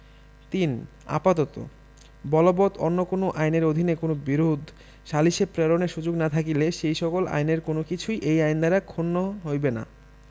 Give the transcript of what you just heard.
৩ আপাতত বলবৎ অন্য কোন আইনের অধীন কোন বিরোধ সালিসে প্রেরণের সুযোগ না থাকিলে সেই সকল আইনের কোন কিছুই এই আইন দ্বারা ক্ষুণ্ণ হইবে না